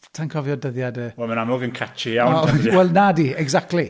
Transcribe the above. Sa i'n cofio'r dyddiadau... Wel, mae'n amlwg yn catchy iawn.... Wel, nadi, exactly.